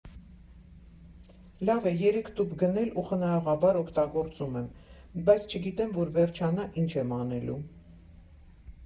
Լավ է, երեք տուփ գնել ու խնայողաբար օգտագործում եմ, բայց չգիտեմ, որ վերջանա, ինչ եմ անելու։